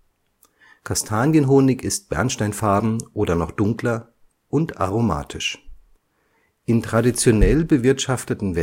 Kastanienhonig ist bernsteinfarben oder noch dunkler und aromatisch. In traditionell bewirtschafteten